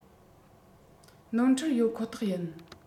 ནོར འཁྲུལ ཡོད ཁོ ཐག ཡིན